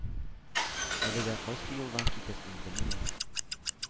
Әлегә кайсы юлдан китәсен белми.